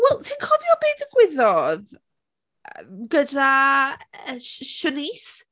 Wel, ti'n cofio be ddigwyddodd yy gyda yy Si- Siânnise?